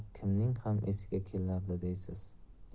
kimning ham esiga kelardi deysiz